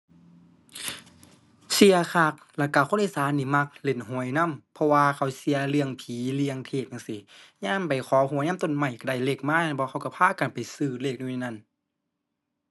เชื่อคัก แล้วก็คนอีสานนี่มักเล่นหวยนำ เพราะว่าเขาก็เรื่องผี เรื่องเทพจั่งซี้ ยามไปขอหวยนำต้นไม้ก็ได้เลขมาแม่นบ่ เขาก็พากันไปซื้อเลขโน่นนี่นั่น